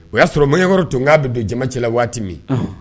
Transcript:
O y'a sɔrɔ manyankɔrɔ tun k'a bɛ don jama cɛla waati min